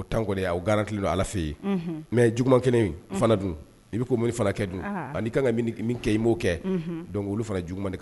Garanti don ala fɛ mɛ juguman kɛnɛ dun i bɛ ko mini fana kɛ dun ani' kan ka kɛ i b'o kɛ don olu fana juguuma